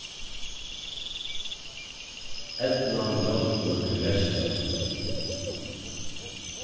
eydnan hjálpir tí reysta